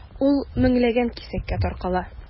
Ул меңләгән кисәккә таркала.